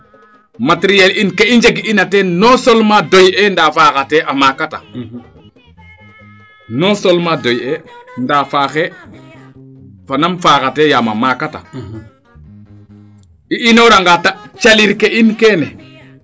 materiel in ke i njeg ina teen non seulement doy'e ndaa faxa te a maaka te non seulement doye ndaa faaxe fa nam faaxate yaama maaka ta i inooranga tra calir ke in keene